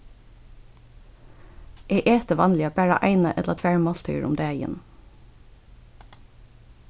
eg eti vanliga bara eina ella tvær máltíðir um dagin